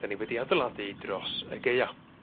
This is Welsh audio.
'dyn niwed i adeiladu dros y gaea.